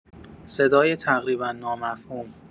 صدای تقریبا نامفهوم